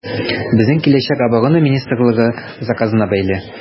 Безнең киләчәк Оборона министрлыгы заказына бәйле.